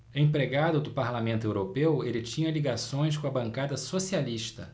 empregado do parlamento europeu ele tinha ligações com a bancada socialista